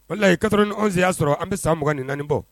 Wala la ye karse y'a sɔrɔ an bɛ san mugan2 naani bɔ